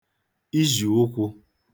izhìụkwụ̄